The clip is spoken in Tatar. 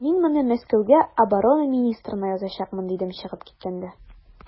Мин моны Мәскәүгә оборона министрына язачакмын, дидем чыгып киткәндә.